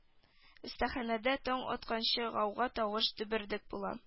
Остаханәдә таң атканчы гауга тавыш дөбердек була